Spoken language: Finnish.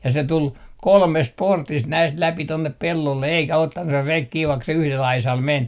ja se tuli kolmesta portista näistä läpi tuonne pellolle eikä ottanut se reki kiinni vaikka se yhdellä aisalla meni